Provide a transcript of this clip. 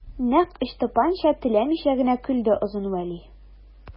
Нәкъ Ычтапанча теләмичә генә көлде Озын Вәли.